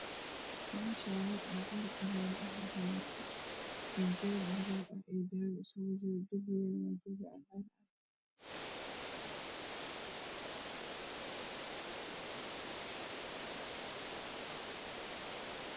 Meshani waa dhul banan ah waxayalo gajel madow ah io dahbi iskugu jiro darbigan waa dirbi cadan ah